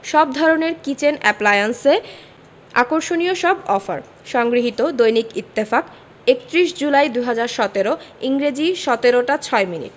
সব ধরনের কিচেন অ্যাপ্লায়েন্সে আকর্ষণীয় সব অফার সংগৃহীত দৈনিক ইত্তেফাক ৩১ জুলাই ২০১৭ ইংরেজি ১৭ টা ৬ মিনিট